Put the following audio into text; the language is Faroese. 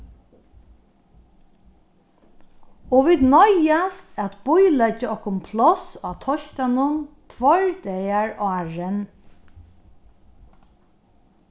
og vit noyðast at bíleggja okkum pláss á teistanum tveir dagar áðrenn